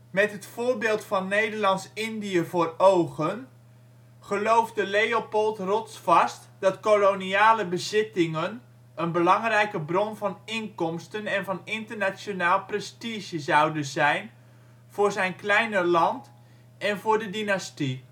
Met het voorbeeld van Nederlands-Indië voor ogen, geloofde Leopold rotsvast dat koloniale bezittingen een belangrijke bron van inkomsten en van internationaal prestige zouden zijn voor zijn kleine land en voor de dynastie